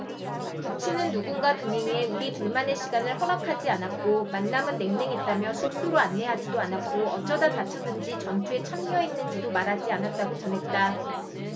부친은 누군가 동행해 우리 둘만의 시간을 허락하지 않았고 만남은 냉랭했다며 숙소로 안내하지도 않았고 어쩌다 다쳤는지 전투에 참여했는지도 말하지 않았다고 전했다